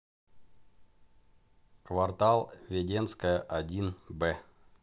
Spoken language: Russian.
квартал веденская один б